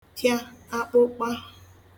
pịa akpụkpa